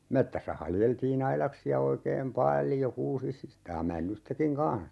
metsässä haljeltiin aidaksia oikein paljon kuusista ja männystäkin kanssa